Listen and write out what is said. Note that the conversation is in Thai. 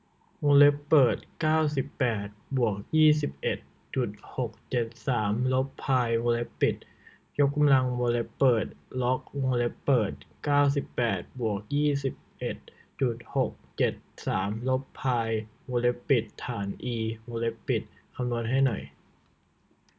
วงเล็บเปิดเก้าสิบแปดบวกยี่สิบเอ็ดจุดหกเจ็ดสามลบพายวงเล็บปิดยกกำลังวงเล็บเปิดล็อกวงเล็บเปิดเก้าสิบแปดบวกยี่สิบเอ็ดจุดหกเจ็ดสามลบพายวงเล็บปิดฐานอีวงเล็บปิดคำนวณให้หน่อย